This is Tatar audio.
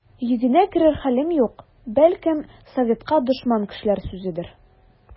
Йөгенә керер хәлем юк, бәлкем, советка дошман кешеләр сүзедер.